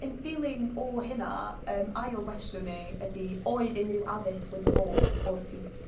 ...yn dilyn o hynna yym ail gwestiwn i ydi oedd unryw addysg wedi bod wrth i